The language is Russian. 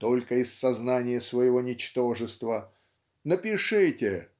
только из сознания своего ничтожества напишите